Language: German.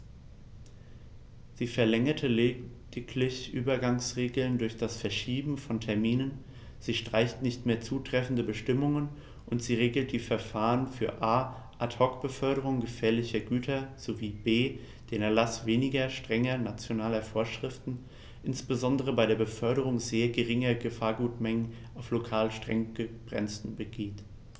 Sie verlängert lediglich Übergangsregeln durch das Verschieben von Terminen, sie streicht nicht mehr zutreffende Bestimmungen, und sie regelt die Verfahren für a) Ad hoc-Beförderungen gefährlicher Güter sowie b) den Erlaß weniger strenger nationaler Vorschriften, insbesondere bei der Beförderung sehr geringer Gefahrgutmengen auf lokal streng begrenzten Gebieten.